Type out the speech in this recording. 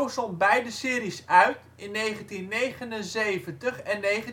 zond beide series uit in 1979 en 1980. De